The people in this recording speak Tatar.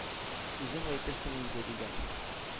Үзең әйтерсең инде,— дигән.